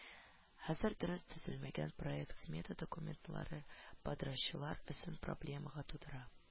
Хәзер дөрес төзелмәгән проект-смета документлары подрядчылар өчен проблемалар тудыра